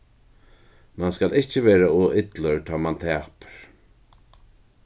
mann skal ikki verða ov illur tá mann tapir